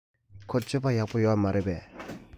ཁོའི སྤྱོད པ ཡག པོ ཡོད མ རེད པས